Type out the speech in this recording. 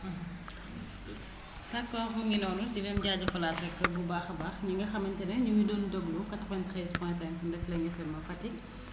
d' accord mu ngi noonu di leen jaajëfalaat rekk bu baax a baax ñi nga xamante ne ñu ngi doon déglu 93 point 5 ndefleng FM Fatick